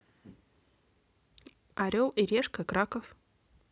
орел и решка краков